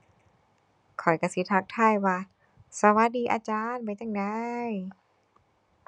ข้อยก็สิทักทายว่า สวัสดีอาจารย์ เป็นจั่งใด